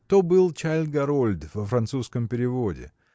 То был Чайльд-Гарольд во французском переводе.